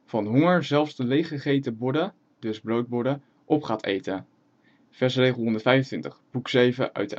honger zelfs de leeggegeten borden [dus: broodborden] op gaat eten,’ – versregel 125, boek VII uit de